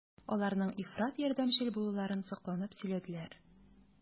Аларның ифрат ярдәмчел булуларын сокланып сөйләделәр.